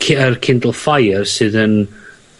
cu- yr Kindle Fire, sydd yn